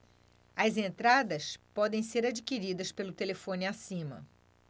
as entradas podem ser adquiridas pelo telefone acima